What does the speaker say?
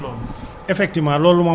ndax demande bi xëy na mooy ëpp